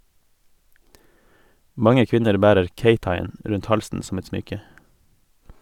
Mange kvinner bærer keitai-en rundt halsen som et smykke.